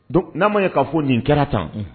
Don n'a ma ye k'a fɔ nin kɛra tan